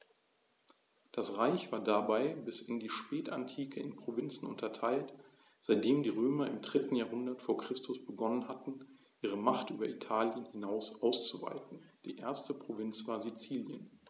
Das Reich war dabei bis in die Spätantike in Provinzen unterteilt, seitdem die Römer im 3. Jahrhundert vor Christus begonnen hatten, ihre Macht über Italien hinaus auszuweiten (die erste Provinz war Sizilien).